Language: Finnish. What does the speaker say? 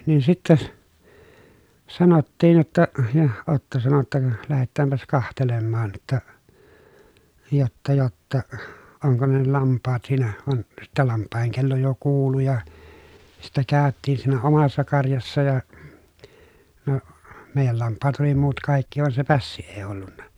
niin sitten sanottiin jotta ja Otto sanoi jotta ka lähetäänpäs katselemaan jotta jotta jotta onko ne ne lampaat siinä vaan sitten lampaiden kello jo kuului ja sitten käytiin siinä omassa karjassa ja no meidän lampaat oli muut kaikki vaan se pässi ei ollut